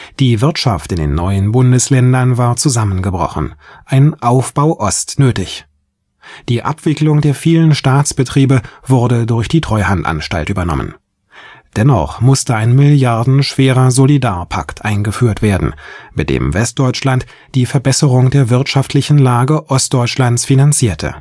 Die Wirtschaft in den neuen Bundesländern war zusammengebrochen, ein Aufbau Ost nötig. Die Abwicklung der vielen Staatsbetriebe wurde durch die Treuhandanstalt übernommen. Dennoch musste ein milliardenschwerer Solidarpakt eingeführt werden, mit dem Westdeutschland die Verbesserung der wirtschaftlichen Lage Ostdeutschlands finanzierte